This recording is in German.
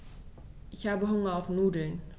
Ich habe Hunger auf Nudeln.